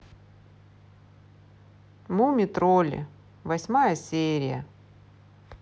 муми тролли восьмая серия